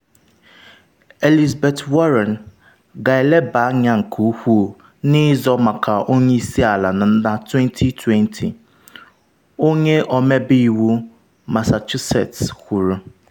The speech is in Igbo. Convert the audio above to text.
Elizabeth Warren “Ga-elebe Anya Nke Ukwuu” Na Ịzọ Maka Onye Isi Ala na 2020, Onye Ọmebe Iwu Massachusetts Kwuru